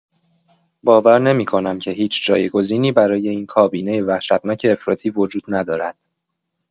باور نمی‌کنم که هیچ جایگزینی برای این کابینه وحشتناک افراطی وجود ندارد.